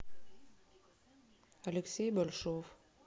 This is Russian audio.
алексей большов